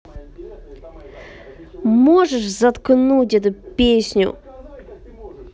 можешь заткнуть эту песню